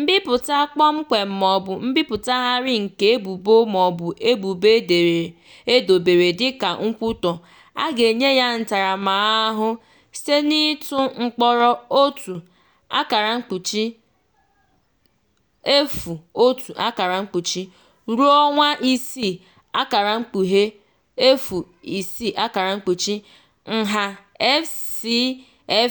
Mbipụta kpọmkwem maọbụ mbipụtagharị nke ebubo maọbụ ebubo e dobere dịka nkwutọ, a ga-enye ya ntaramahụhụ site n'ịtụ mkpọrọ otu (01) ruo ọnwa isii (06), nha FCFA